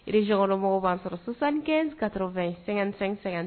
Ireri janɔnkɔrɔmɔgɔw b'an sɔrɔ sisansan kɛ ka2-